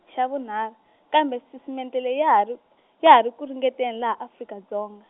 xa vunharhu, kambe sisiteme ya ha ri ya ha ri ku ringeteni laha Afrika Dzonga.